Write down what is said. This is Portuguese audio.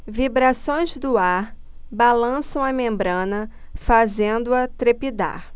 vibrações do ar balançam a membrana fazendo-a trepidar